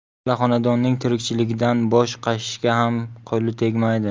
ikkala xonadonning tirikchiligidan bosh qashishga ham qo'li tegmaydi